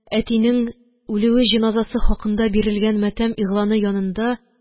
Әтинең үлүе җеназасы хакында бирелгән матәм игъланы янында